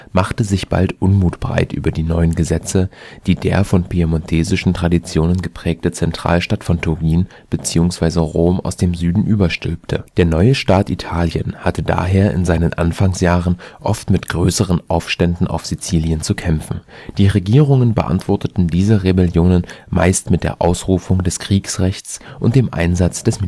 machte sich bald Unmut breit über die neuen Gesetze, die der von piemontesischen Traditionen geprägte Zentralstaat von Turin bzw. Rom aus dem Süden überstülpte. Der neue Staat Italien hatte daher in seinen Anfangsjahren oft mit größeren Aufständen auf Sizilien zu kämpfen; die Regierungen beantworteten diese Rebellionen meist mit der Ausrufung des Kriegsrechts und dem Einsatz des